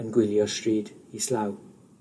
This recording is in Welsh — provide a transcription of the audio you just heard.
yn gwylio'r stryd islaw.